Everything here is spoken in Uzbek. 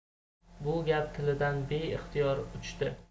bu gap tilidan beixtiyor uchdi